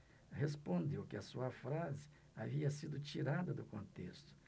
respondeu que a sua frase havia sido tirada do contexto